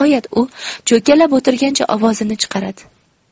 nihoyat u cho'kkalab o'tirgancha ovozini chiqaradi